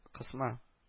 Кысма